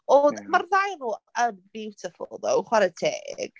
O'dd... mae'r ddau o nhw yn beautiful though chwarae teg.